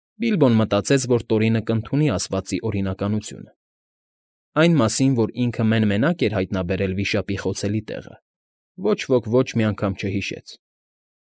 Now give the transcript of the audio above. Բիլբոն մտածեց, որ Տորինը կնդունի ասվածի օրինականությունը։ (Այն մասին, որ ինքը մեն֊մենակ էր հայտնաբերել վիշապի խոցելի տեղը, ոչ ոք ոչ մի անգամ չհիշեց։